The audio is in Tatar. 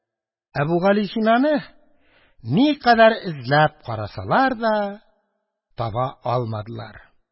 Әбүгалисинаны никадәр эзләп карасалар да таба алмадылар.